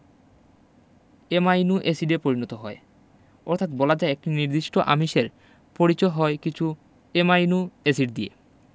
amino এসিডে পরিণত হয় অর্থাৎ বলা যায় একটি নির্দিষ্ট আমিষের পরিচয় হয় কিছু অ্যামাইনো এসিড দিয়ে